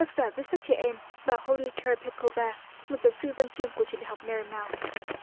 tác giả viết sách trẻ em bà hô li khe pét khô va một giáo sư văn chương của trường đại học me li mao